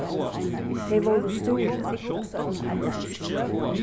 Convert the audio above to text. tey vóru stúrin